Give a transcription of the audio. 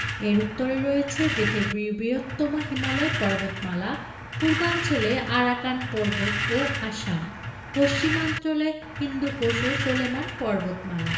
এর উত্তরে রয়েছে পৃথিবীর বৃহত্তম হিমালয় পর্বতমালা পূর্বাঞ্চলে আরাকান পর্বত ও আসাম পশ্চিমাঞ্চলে হিন্দুকুশ ও সুলেমান পর্বতমালা